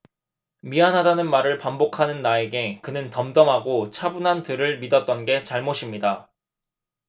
미안하다는 말을 반복하는 나에게 그는 덤덤하고 차분한 들을 믿었던 게 잘못입니다